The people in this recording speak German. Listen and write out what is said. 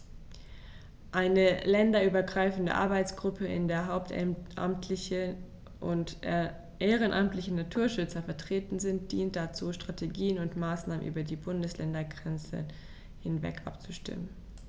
Eine länderübergreifende Arbeitsgruppe, in der hauptamtliche und ehrenamtliche Naturschützer vertreten sind, dient dazu, Strategien und Maßnahmen über die Bundesländergrenzen hinweg abzustimmen.